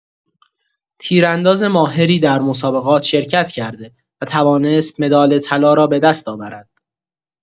تیرانداز ماهری در مسابقات شرکت کرده و توانست مدال طلا را به دست آورد.